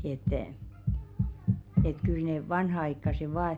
että että kyllä ne vanhanaikaiset vain